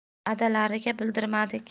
adalariga bildirmadik